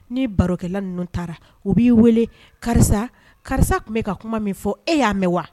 Ni barokɛla ninnu taara u b'i weele karisa karisa tun bɛ ka kuma min fɔ e y'a mɛn wa